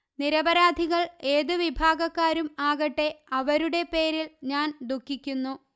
നിരപരാധികള് ഏതു വിഭാഗക്കാരും ആകട്ടെ അവരുടെ പേരില് ഞാന് ദുഃഖിക്കുന്നു